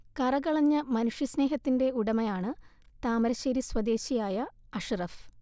കറകളഞ്ഞ മനുഷ്യ സ്നേഹത്തിന്റെ ഉടമയാണ് താമരശേരി സ്വദേശിയായ അഷ്റഫ്